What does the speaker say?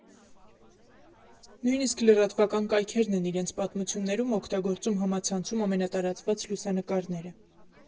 Նույնիսկ լրատվական կայքերն են իրենց պատմություններում օգտագործում համացանցում ամենատարածված լուսանկարները։